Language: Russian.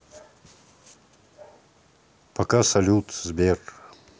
пока салют сбер